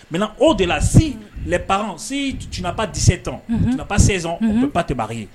Mɛ o de la si jba dese tɔn ka ba sensɔn ba tɛbaga ye